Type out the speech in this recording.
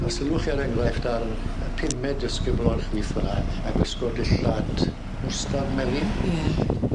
A sylwch chi er enghraifft ar y pumed disgybl o'r chwith fan 'a a gwisgo dillad mwstad melyn. Ie.